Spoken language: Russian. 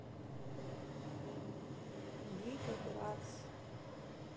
бига братс